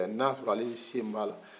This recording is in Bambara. na sɔrɔ ale sen b'a la